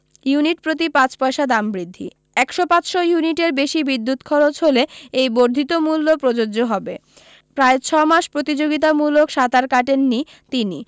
unit প্রতি পাঁচ পয়সা দাম বৃদ্ধি একশ পাঁচশ ইউনিটের বেশী বিদ্যুত খরচ হলে এই বর্ধিত মূল্য প্রযোজ্য হবে প্রায় ছ মাস প্রতি্যোগিতামূলক সাঁতার কাটেননি তিনি